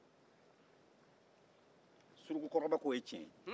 suruku kɔrɔba ko o ye tiɲɛ